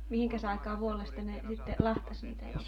mihinkäs aikaan vuodesta ne sitten lahtasi niitä